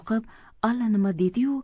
allanima dedi yu